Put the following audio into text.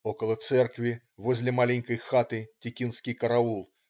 Около церкви, возле маленькой хаты - текинский караул.